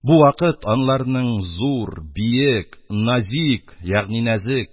Бу вакыт анларның зур, биек, назик ягъни нәзек